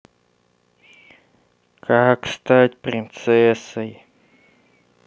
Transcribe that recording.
как стать принцессой